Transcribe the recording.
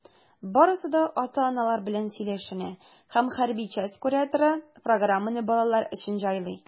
Барысы да ата-аналар белән сөйләшенә, һәм хәрби часть кураторы программаны балалар өчен җайлый.